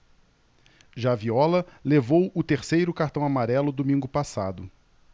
já viola levou o terceiro cartão amarelo domingo passado